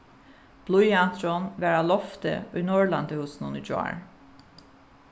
blýanturin var á lofti í norðurlandahúsinum í gjár